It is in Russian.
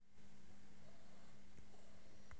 хиты восьмидесятых семидесятых